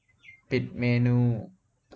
ปิดเมนู